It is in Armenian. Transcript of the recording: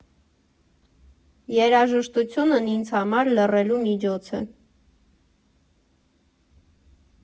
Երաժշտությունն ինձ համար լռելու միջոց է։